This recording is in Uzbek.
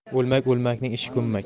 o'lmak o'lmakning ishi ko'mmak